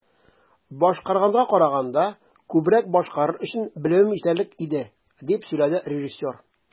"башкарганга караганда күбрәк башкарыр өчен белемем җитәрлек иде", - дип сөйләде режиссер.